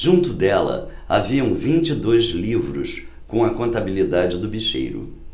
junto dela havia vinte e dois livros com a contabilidade do bicheiro